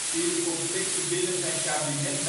die de conflicten binnen zijn kabinet